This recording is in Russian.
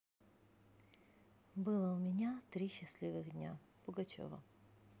было у меня три счастливых дня пугачева